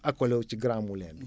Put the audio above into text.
accolé wu ci Grand Moulin bi